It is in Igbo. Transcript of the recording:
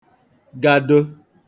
gado